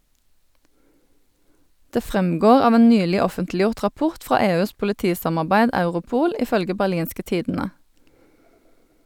Det fremgår av en nylig offentliggjort rapport fra EUs politisamarbeid Europol, ifølge Berlingske Tidende.